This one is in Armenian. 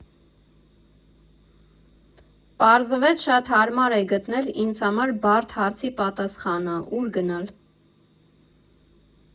Պարզվեց՝ շատ հարմար է գտնել ինձ համար բարդ հարցի պատասխանը՝ ու՞ր գնալ։